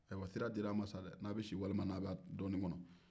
ayiwa sira jira a ma sa dɛɛ n'a bɛ si walima n'a bɛ dɔɔni kɔnɔ